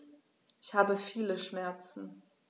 Ich habe viele Schmerzen.